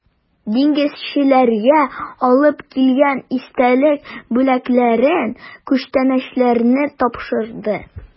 Диңгезчеләргә алып килгән истәлек бүләкләрен, күчтәнәчләрне тапшырды.